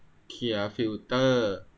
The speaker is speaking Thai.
เคลียร์ฟิลเตอร์